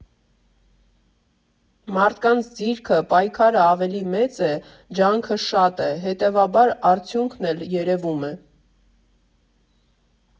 Մարդկանց ձիրքը, պայքարը ավելի մեծ է, ջանքը շատ է, հետևաբար արդյունքն էլ երևում է»։